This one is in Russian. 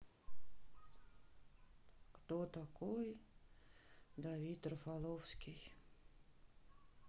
кто такой давид рафаловский